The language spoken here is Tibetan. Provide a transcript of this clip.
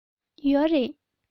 ཡོད རེད